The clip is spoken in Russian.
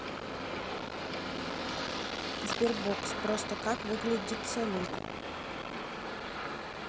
sberbox просто как выглядит салют